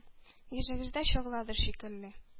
Йөзегездә чаг ладыр шикелле.